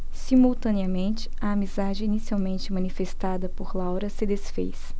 simultaneamente a amizade inicialmente manifestada por laura se disfez